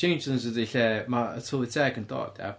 Changelings ydi lle ma' y tylwyth teg yn dod ia.